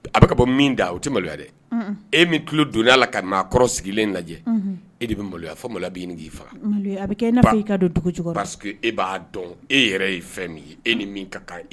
A bɔ e don la kɔrɔ sigilen lajɛ e de bɛ maloya k'iseke e b'a dɔn e yɛrɛ ye fɛn min ye ka